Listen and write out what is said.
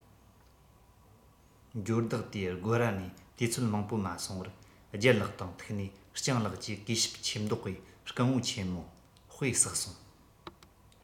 འབྱོར བདག དེའི སྒོ ར ནས དུས ཚོད མང པོ མ སོང བར ལྗད ལགས དང ཐུག ནས སྤྱང ལགས ཀྱིས གུས ཞབས ཆེ མདོག གིས སྐུ ངོ ཆེན མོ དཔེ བསགས སོང